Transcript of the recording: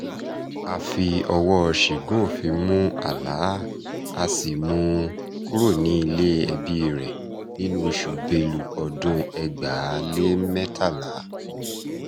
A fi ọwọ́ọ ṣìgún òfin mú Alaa a sì mú u kúrò ní ilé ẹbíi rẹ̀ nínú oṣù Belu ọdún 2013.